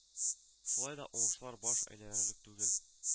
Шулай да уңышлар баш әйләнерлек түгел